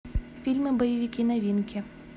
фильмы боевики новинки